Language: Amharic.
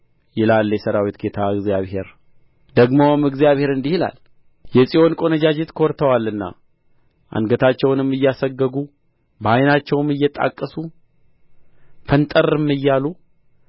ይላል የሠራዊት ጌታ እግዚአብሔር ደግሞም እግዚአብሔር እንዲህ አለ የጽዮን ቈነጃጅት ኰርተዋልና አንገታቸውንም እያሰገጉ በዓይናቸውም እያጣቀሱ ፈንጠርም እያሉ